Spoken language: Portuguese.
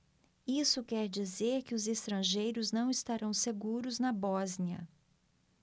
isso quer dizer que os estrangeiros não estarão seguros na bósnia